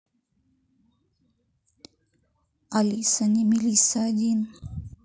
алиса не мелиса один